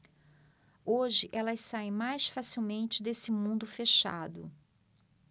hoje elas saem mais facilmente desse mundo fechado